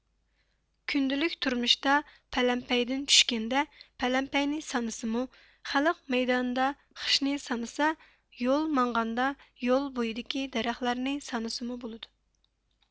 كۈندىلىك تۇرمۇشتا پەلەمپەيدىن چۈشكەندە پەلەمپەينى سانىسىمۇ خەلق مەيدانىدا خىشنى سانىسا يول ماڭغاندا يول بويىدىكى دەرەخلەرنى سانىسىمۇ بولىدۇ